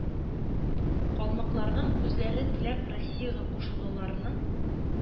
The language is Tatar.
Калмыкларның үзләре теләп Россиягә кушылуларының